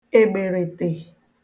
ègbèrètè